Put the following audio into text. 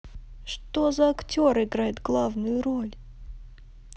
что за актер играет главную роль